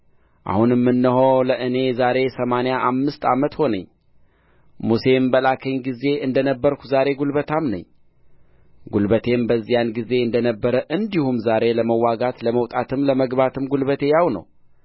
አሁንም እነሆ ለእኔ ዛሬ ሰማንያ አምስት ዓመት ሆነኝ ሙሴም በላከኝ ጊዜ እንደ ነበርሁ ዛሬ ጕልበታም ነኝ ጕልበቴም በዚያን ጊዜ እንደ ነበረ እንዲሁ ዛሬ ለመዋጋት ለመውጣትም ለመግባትም ጉልበቴ ያው ነው